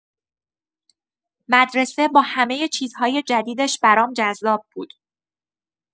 مدرسه با همه چیزهای جدیدش برام جذاب بود.